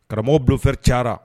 Karamɔgɔ bluffeur cayara.